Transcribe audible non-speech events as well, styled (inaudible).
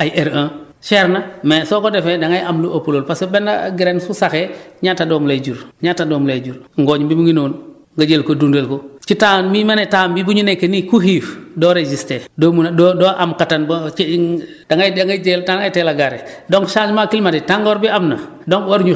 ay R1 cher na mais soo ko defee da ngay am lu ëpp loolu parce que benn (hesitation) graine su saxee ñaata doom lay jur ñaata doom lay jur ngooñ bi mu ngi noonu nga jël ko dundal ko ci temps bi ma ne temps bi bu ñu nekk nii ku xiif doo résisté doo mën a doo am kattan ba ci (hesitation) da ngay da ngay teel da ngay teel a garré (breath)